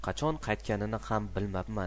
qachon qaytganini ham bilmabman